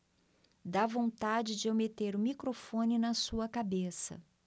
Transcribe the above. dá vontade de eu meter o microfone na sua cabeça